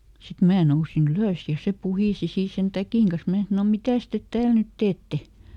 sitten minä nousin ylös ja se puhisi siinä sen täkin kanssa minä sanoin mitäs te täällä nyt teette